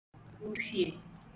ùfhie